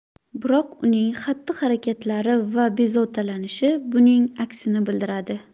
biroq uning xatti harakatlari va bezovtalanishi buning aksini bildiradi